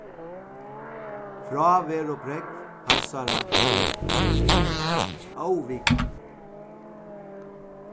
fráveruprógv hansara er óvikandi